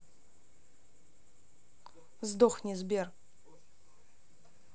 сдохни сбер